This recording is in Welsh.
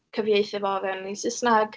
cyfieithu fo fewn i Saesneg.